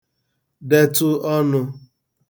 detụ ọnụ̄